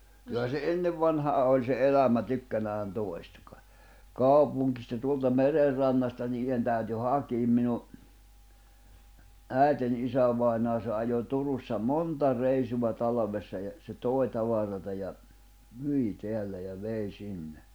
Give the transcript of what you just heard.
kyllä se ennen vanhaan oli se elämä tykkänään toista - kaupungista tuolta merenrannasta niiden täytyi hakea minun äitini isävainaja se ajoi Turussa monta reissua talvessa ja se toi tavaraa ja myi täällä ja vei sinne